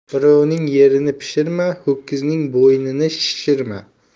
birovning yerini pishirma ho'kizning bo'ynini shishirma